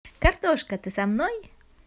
картошка ты со мной